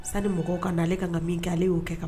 Sanu ni mɔgɔw kana na ale ka min kɛ ale y'o kɛ kan